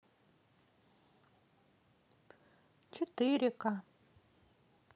четыре ка